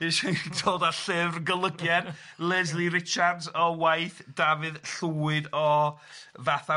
Dwi jyst yn dod â llyfr golygedd Lesley Richards o waith Dafydd Llwyd o fatha,